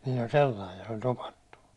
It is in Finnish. niillä oli sellainen ja se oli topattu